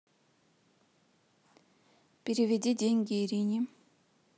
переведи деньги ирине